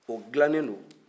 o dilannen don